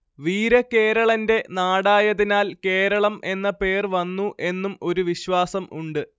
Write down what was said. വീരകേരളന്റെ നാടായതിനാൽ കേരളം എന്ന പേർ വന്നു എന്നും ഒരു വിശ്വാസം ഉണ്ട്